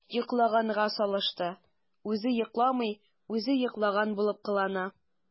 “йоклаганга салышты” – үзе йокламый, үзе йоклаган булып кылана.